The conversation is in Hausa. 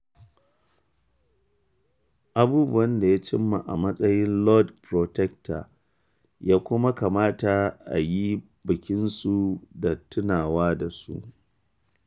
Abubuwan da ya cimma a matsayin Lord Protector ya kuma kamata a yi bikinsu da tunawa da su.”